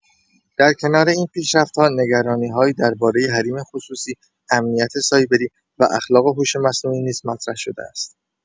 در کنار این پیشرفت‌ها، نگرانی‌هایی درباره حریم خصوصی، امنیت سایبری و اخلاق هوش مصنوعی نیز مطرح شده است.